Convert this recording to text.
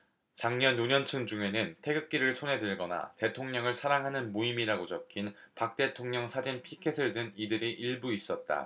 장년 노년층 중에는 태극기를 손에 들거나 대통령을 사랑하는 모임이라고 적힌 박 대통령 사진 피켓을 든 이들이 일부 있었다